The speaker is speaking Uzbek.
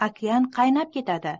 okean qaynab ketadi